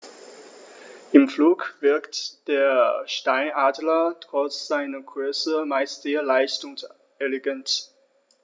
Im Flug wirkt der Steinadler trotz seiner Größe meist sehr leicht und elegant.